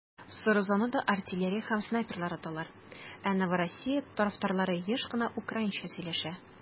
Соры зонада артиллерия һәм снайперлар аталар, ә Новороссия тарафтарлары еш кына украинча сөйләшә.